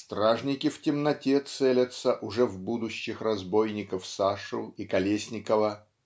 Стражники в темноте целятся уже в будущих разбойников Сашу и Колесникова